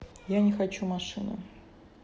я не хочу машины